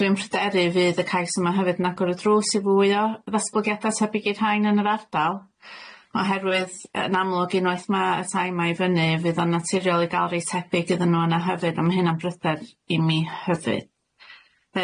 Dwi'n pryderu fydd y cais yma hefyd yn agor y drws i fwy o ddatblygiada' tebyg i'r rhain yn yr ardal oherwydd yn amlwg unwaith ma' y tai 'ma i fyny fydd o'n naturiol i ga'l rei tebyg iddyn n'w yna hefyd a ma' hynna'n pryder i mi hefyd.